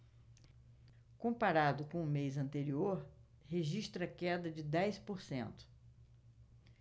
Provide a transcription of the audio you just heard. comparado com o mês anterior registra queda de dez por cento